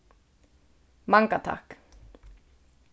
manga takk